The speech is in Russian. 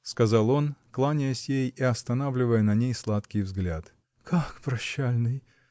— сказал он, кланяясь ей и останавливая на ней сладкий взгляд. — Как прощальный!